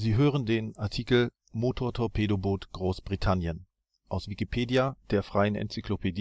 hören den Artikel Motortorpedoboot (Großbritannien), aus Wikipedia, der freien Enzyklopädie